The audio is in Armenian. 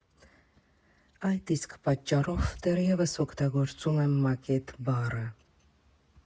Այդ իսկ պատճառով դեռևս օգտագործում եմ մակետ բառը։